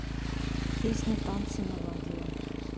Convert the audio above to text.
песня танцы на воде